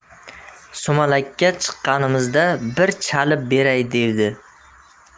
sumalakka chiqqanimizda bir chalib beray devdi